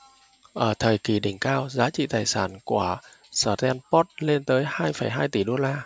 ở thời kỳ đỉnh cao giá trị tài sản của stanford lên tới hai phẩy hai tỷ đô la